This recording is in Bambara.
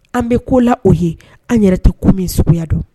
An bɛ ko la o ye an yɛrɛ tɛ ko min sugu don